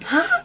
han